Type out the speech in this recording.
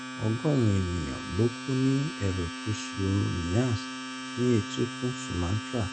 Ọgọ́rùn-ún ènìyàn ló kú ni erékùṣù Nias, ní etíkun Sumatra.